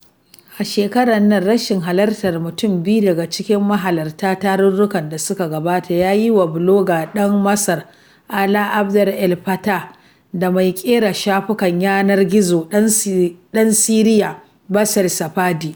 A shekarar nan, rashin halartar mutum biyu daga cikin mahalarta tarurrukan da suka gabata ya yi yawa: Blogger ɗan Masar, Alaa Abd El Fattah, da mai ƙera shafukan yanar gizo ɗan Siriya, Bassel Safadi.